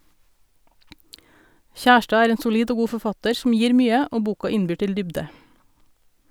Kjærstad er en solid og god forfatter som gir mye, og boka innbyr til dybde.